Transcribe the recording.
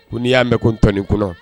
N'i y'a mɛn ko tni kɔnɔ